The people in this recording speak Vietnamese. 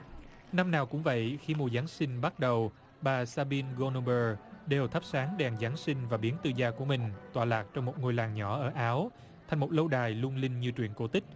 năm nào cũng vậy khi mùa giáng sinh bắt đầu bà sa bin gô nơ bơ đều thắp sáng đèn giáng sinh và biến tư gia của mình tọa lạc trong một ngôi làng nhỏ ở áo thành một lâu đài lung linh như truyện cổ tích